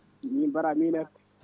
min Baara min arti